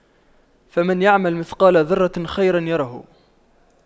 فَمَن يَعمَل مِثقَالَ ذَرَّةٍ خَيرًا يَرَهُ